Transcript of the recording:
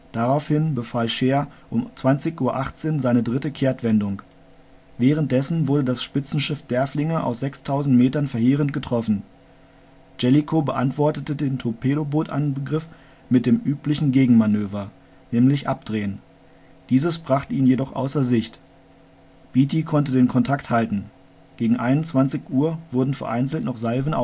Daraufhin befahl Scheer um 20:18 Uhr seine dritte Kehrtwendung. Währenddessen wurde das Spitzenschiff Derfflinger aus 6000 Metern verheerend getroffen. Jellicoe beantwortete den Torpedobootangriff mit dem üblichen Gegenmanöver, nämlich Abdrehen. Dieses brachte ihn jedoch außer Sicht. Beatty konnte den Kontakt halten. Gegen 21 Uhr wurden vereinzelt noch Salven